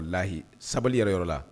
O lahi sabali yɛrɛ yɔrɔ la